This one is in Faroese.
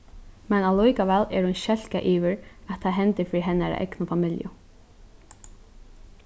men allíkavæl er hon skelkað yvir at tað hendir fyri hennara egnu familju